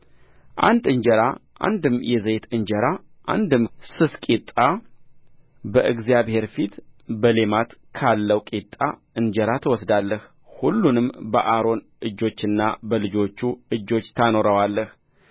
አንድ እንጀራ አንድም የዘይት እንጀራ አንድም ስስ ቂጣ በእግዚአብሔር ፊት በሌማት ካለው ቂጣ እንጀራ ትወስዳለህ ሁሉንም በአሮን እጆችና በልጆቹ እጆች ታኖረዋለህ